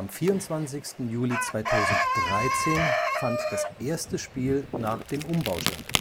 24. Juli 2013 fand das erste Spiel nach dem Umbau statt